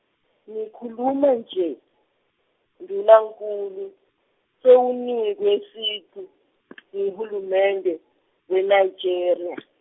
ngikhuluma nje ndvunankhulu sewunikwe sicu nguhulumende weNigeria.